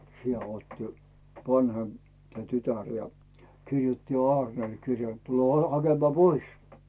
siellä odotti vanhempi tämä tytär ja kirjoitti jo Aarnelle kirjeen että tule hakemaan pois